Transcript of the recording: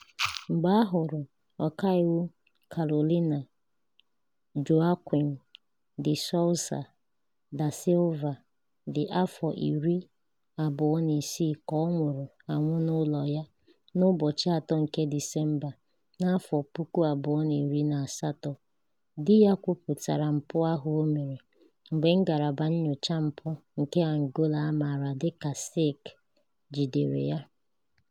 Mgbe a hụrụ ọkaiwu Carolina Joaquim de Sousa da Silva dị afọ 26 ka ọ nwụrụ anwụ n'ụlọ ya n'ụbọchị 3 nke Disemba, 2018, di ya kwupụtara mpụ ahụ o mere ma ngalaba nnyocha mpụ nke Angola a maara dịka SIC jidere ya.